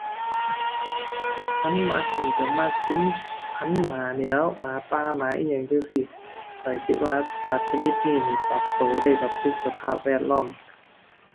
คันมักนี่ก็มักซุมพันธุ์หมานี่แหล้ว หมาป่า หมาอิหยังจั่งซี้ ข้อยคิดว่าสัตว์ชนิดนี้นี่ปรับก็ได้กับทุกสภาพแวดล้อม